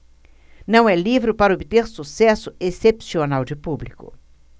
não é livro para obter sucesso excepcional de público